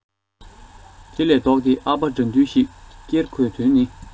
དེ ལས ལྡོག སྟེ ཨ ཕ དགྲ འདུལ ཞིག ཀེར དགོས དོན ནི